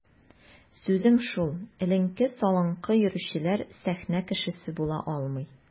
Сүзем шул: эленке-салынкы йөрүчеләр сәхнә кешесе була алмый.